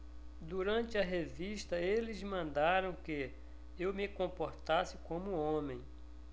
durante a revista eles mandaram que eu me comportasse como homem